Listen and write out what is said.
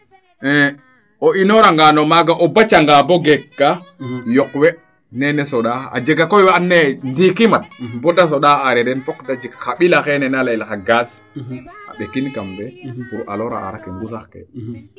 e o inooranga no maaga o baca nga bo geek kaa yoq we neene soɗaaa jega koy we an naye ndiiki mat bo de soɗa areee den fok de jik xa mbila xeene na leyel xa gaz a ɓekin kam fee pour alors a arake ngusax ke